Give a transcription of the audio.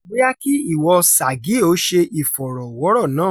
Bóyá kí ìwọ Sergey ó ṣe ìfọ̀rọ̀wọ́rọ̀ náà?